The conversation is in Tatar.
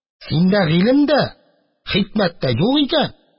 Синдә гыйлем дә, хикмәт тә юк икән!